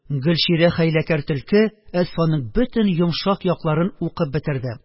Гөлчирә-хәйләкәр төлке Әсфанның бөтен йомшак якларын «укып» бетерде